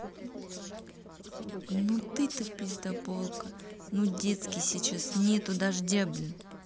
но ты то пиздаболка ну детские сейчас нету дождя блин